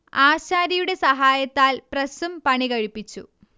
ആശാരിയുടെ സഹായത്താൽ പ്രസ്സും പണികഴിപ്പിച്ചു